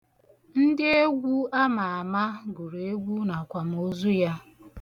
Ndị egwu ama ama gụrụ egwu n'akwamoozu ya.